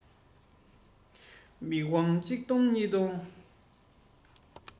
མིག དབང གཅིག ལྡོངས གཉིས ལྡོངས